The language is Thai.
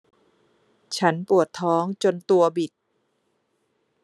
ฉันปวดท้องจนตัวบิด